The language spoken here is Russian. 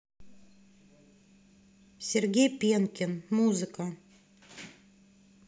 сергей пенкин музыка